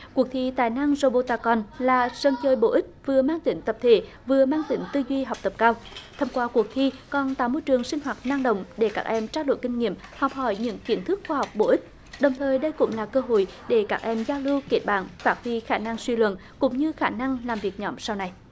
cuộc thi tài năng rô bô ta con là sân chơi bổ ích vừa mang tính tập thể vừa mang tính tư duy học tập cao thông qua cuộc thi còn tạo môi trường sinh hoạt năng động để các em trao đổi kinh nghiệm học hỏi những kiến thức khoa học bổ ích đồng thời đây cũng là cơ hội để các em giao lưu kết bạn phát huy khả năng suy luận cũng như khả năng làm việc nhóm sau này